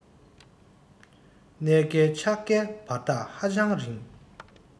གནས བསྐལ ཆགས བསྐལ བར ཐག ཧ ཅང རིང